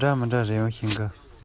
སྨ ར ཅན དེའི འགྲམ དུ བཞག